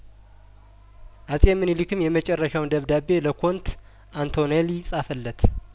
አጼምንሊክም የመጨረሻውን ደብዳቤ ለኮንት አንቶኔሊ ጻፈለት